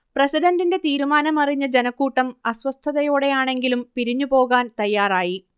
പ്രസിഡന്റിന്റെ തീരുമാനമറിഞ്ഞ ജനക്കൂട്ടം അസ്വസ്ഥതയോടെയാണെങ്കിലും പിരിഞ്ഞു പോകാൻ തയ്യാറായി